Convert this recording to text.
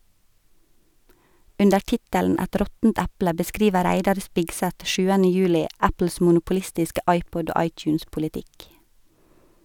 Under tittelen "Et råttent eple" beskriver Reidar Spigseth sjuende juli Apples monopolistiske iPod- og iTunes-politikk.